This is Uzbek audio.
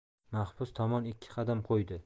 mahbus tomon ikki qadam qo'ydi